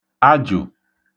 ajụ̀